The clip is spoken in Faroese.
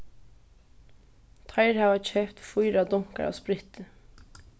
teir hava keypt fýra dunkar av spritti